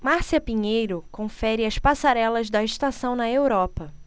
márcia pinheiro confere as passarelas da estação na europa